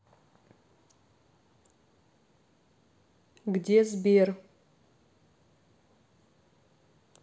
где сбер